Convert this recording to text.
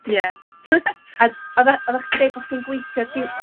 Ie. A'dd odda oddach chi'n deud bo' bo chdi'n gweithio diw-